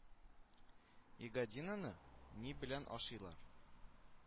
Ягодина ны ни белән ашыйлар